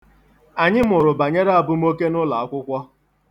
Anyị mụrụ banyere abụmoke n'ụlọakwụkwọ.